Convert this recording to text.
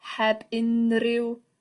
heb unryw